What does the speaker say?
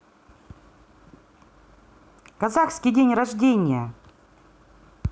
казахский день рождения